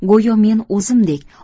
go'yo men o'zimdek